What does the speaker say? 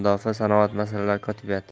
va mudofaa sanoati masalalari kotibiyati